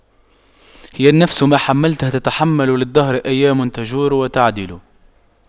هي النفس ما حَمَّلْتَها تتحمل وللدهر أيام تجور وتَعْدِلُ